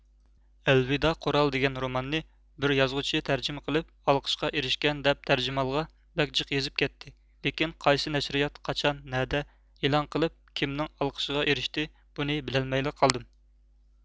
ئەلۋىدا قۇرال دىگەن روماننى بىر يازغۇچى تەرجىمە قىلىپ ئالقىشقا ئېرىشكەن دەپ تەرجىمھالىغا بەك جىق يېزىپ كەتتى لېكىن قايسى نەشىرىيات قاچان نەدە ئېلان قىلىپ كىمنىڭ ئالقىشىغا ئېرىشتى بۇنى بىلەلمەيلا قالدىم